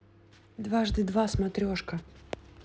дважды два смотрешка